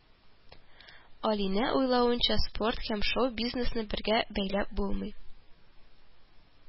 Алинә уйлавынча, спорт һәм шоу-бизнесны бергә бәйләп булмый